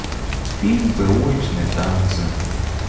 фильм про уличные танцы